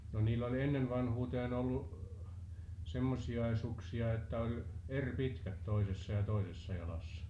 no niillä oli ennen vanhuuteen ollut semmoisiakin suksia että oli eri pitkät toisessa ja toisessa jalassa